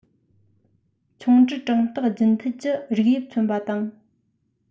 ཆུང འབྲི གྲངས རྟགས རྒྱུན མཐུད ཀྱི རིགས དབྱིབས མཚོན པ དང